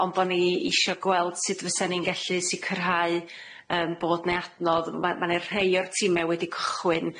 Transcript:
Ond bo' ni isio gweld sut fyse ni'n gellu sicrhau, yym, bod 'ne adnodd. Ma' ma' 'ne rhei o'r time wedi cychwyn.